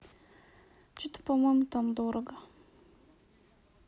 че то по моему там дорого